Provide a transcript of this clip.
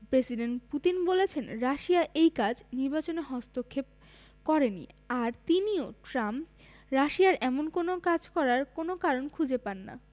president Putin বলেছেন Russia এই কাজ নির্বাচনে হস্তক্ষেপ করেনি আর তিনিও ট্রাম্প রাশিয়ার এমন কাজ করার কোনো কারণ খুঁজে পান না